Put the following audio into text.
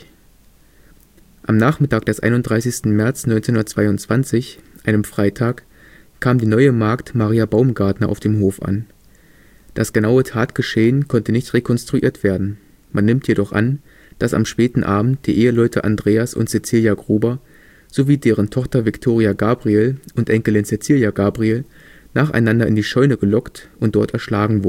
Am Nachmittag des 31. März 1922, einem Freitag, kam die neue Magd Maria Baumgartner auf dem Hof an. Das genaue Tatgeschehen konnte nicht rekonstruiert werden, man nimmt jedoch an, dass am späten Abend die Eheleute Andreas und Cäzilia Gruber sowie deren Tochter Viktoria Gabriel und Enkelin Cäzilia Gabriel nacheinander in die Scheune gelockt und dort erschlagen